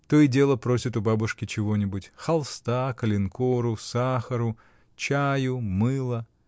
То и дело просит у бабушки чего-нибудь: холста, коленкору, сахару, чаю, мыла.